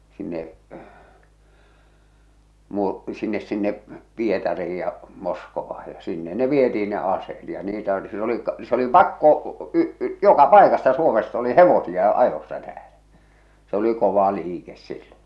sinne - sinne sinne Pietariin ja Moskovaan ja sinne ne vietiin ne aseet ja niitä oli sillä oli se oli pakko - joka paikasta Suomesta oli hevosia ajossa täällä se oli kova liike silloin